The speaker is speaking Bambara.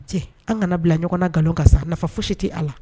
Cɛ an kana bila ɲɔgɔn na nkalon ka san a nafa foyisi tɛ a la